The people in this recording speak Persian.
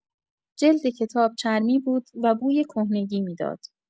جلد کتاب چرمی بود و بوی کهنگی می‌داد.